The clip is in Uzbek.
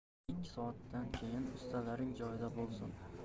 ikki soatdan keyin ustalaring joyida bo'lsin